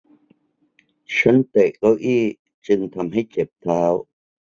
ฉันเตะเก้าอี้จึงทำให้เจ็บเท้า